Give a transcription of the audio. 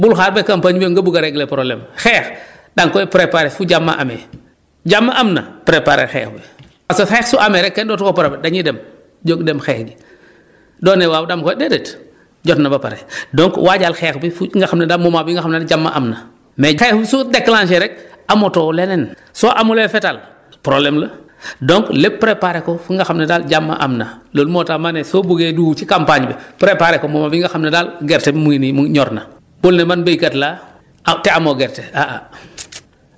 bul xaar ba campagne ñëw nga bugg a régler problème xeex da nga koy préparer fu jàmm amee jàmm am na préparé xeex bi parce que xeex su amee rek kenn dootu ko prépa dañuy dem jóg dem xeexi ji doo ne waaw koy déedéet jot na ba pare donc waajal xeex bi fu fi nga xam ne daal moment bi nga xam ne jàmm am na mais xeex bi su déclenché rek amatoo leneen soo amulee fetal problème donc lépp préparer ko fu nga xam ne daal jàmm am na loolu moo tax ma ne soo buggee dugg ci campagne bi préparer ko moment bi nga xam ne daal gerte bi mu ngi nii ñor na bul ne man béykat laa ah te amoo gerte ah ah